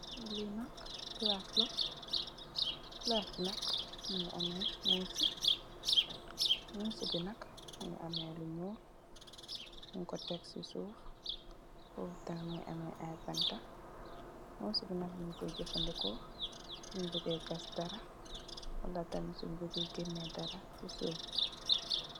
Li nak palaas la, palaas bi nak mungi ameh ngosi. Ngosi bi nak mungi ameh lu ñuul nung ko tekk ci suu, fofu tamit mungi ameh ay banta. Ngosi bi nak nung koy jafadeko sunn bu gè gaas dara wala tamit sunn bu gè gènè dara ci suuf bi.